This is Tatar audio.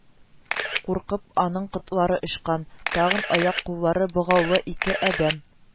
Куркып аның котлары очкан, тагын аяк-куллары богаулы ике адәм